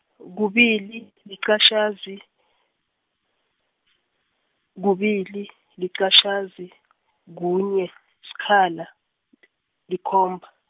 kubili, liqatjhazi , kubili, liqatjhazi , kunye, sikhala, likhomba.